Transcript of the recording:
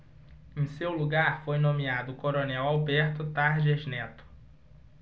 em seu lugar foi nomeado o coronel alberto tarjas neto